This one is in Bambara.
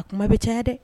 A kuma bɛ caya dɛ